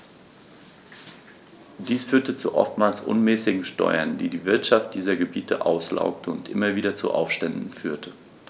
Dies führte zu oftmals unmäßigen Steuern, die die Wirtschaft dieser Gebiete auslaugte und immer wieder zu Aufständen führte.